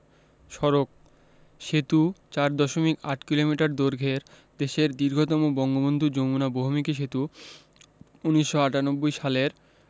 সড়কঃ সেতু ৪দশমিক ৮ কিলোমিটার দৈর্ঘ্যের দেশের দীর্ঘতম বঙ্গবন্ধু যমুনা বহুমুখী সেতু ১৯৯৮ সালের